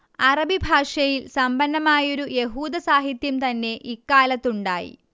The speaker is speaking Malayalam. അറബി ഭാഷയിൽ സമ്പന്നമായൊരു യഹൂദസാഹിത്യം തന്നെ ഇക്കാലത്തുണ്ടായി